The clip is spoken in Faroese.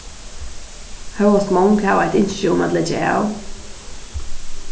hóast mong hava eitt ynski um at leggja av